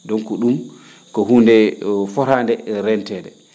donc ?uum ko huunde foraade reenteede